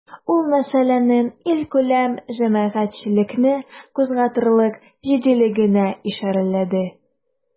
Ул мәсьәләнең илкүләм җәмәгатьчелекне кузгатырлык җитдилегенә ишарәләде.